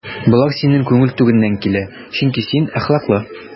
Болар синең күңел түреннән килә, чөнки син әхлаклы.